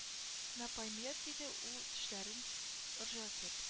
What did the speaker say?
На памйат диде ул тешләрен ыржатып